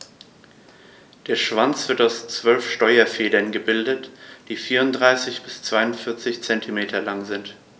Der Schwanz wird aus 12 Steuerfedern gebildet, die 34 bis 42 cm lang sind.